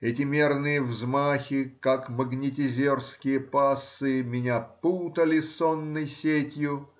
эти мерные взмахи, как магнетизерские пассы, меня путали сонною сетью